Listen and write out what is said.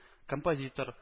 Композитор